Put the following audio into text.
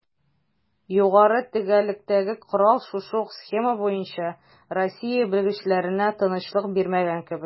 Югары төгәллектәге корал шушы ук схема буенча Россия белгечләренә тынычлык бирмәгән кебек: